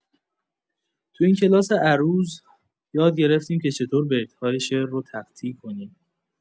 تو این کلاس عروض، یاد گرفتیم که چطور بیت‌های شعر رو تقطیع کنیم.